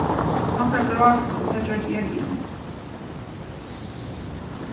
hann fór at gráta og tað gjørdi eg við